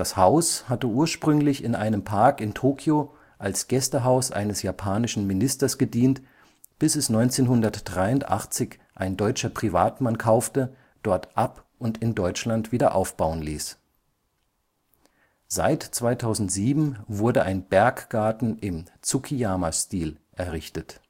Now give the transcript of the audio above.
Haus hatte ursprünglich in einem Park in Tokio als Gästehaus eines japanischen Ministers gedient, bis es 1983 ein deutscher Privatmann kaufte, dort ab - und in Deutschland wieder aufbauen ließ. Seit 2007 wurde ein Berggarten im Tsukiyama-Stil errichtet